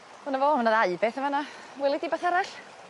Dynna fo ma' na ddau beth yn fan 'na. Weli di wbath arall?